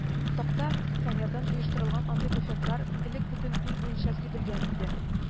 Такта-фанердан оештырылган андый буфетлар элек бөтен ил буенча сибелгән иде